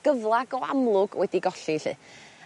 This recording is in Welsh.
gyfla go amlwg wedi golli 'lly.